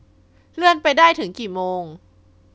เลื่อนไปได้ถึงกี่โมง